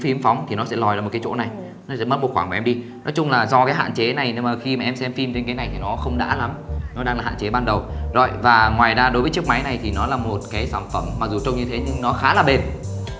phím phóng thì nó sẽ lòi ra một cái chỗ này nó sẽ mất một khoảng của em đi nói chung là do cái hạn chế này mà khi mà em xem phim trên cái này thì nó không đã lắm nó đang là hạn chế ban đầu rồi và ngoài ra đối với chiếc máy này thì nó là một cái sản phẩm mặc dù trông như thế nhưng nó khá là bền